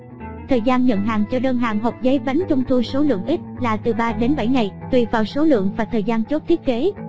thời gian nhận hàng cho đơn hàng hộp giấy bánh trung thu số lượng ít là từ đến ngày tùy vào số lượng và thời gian chốt thiết kế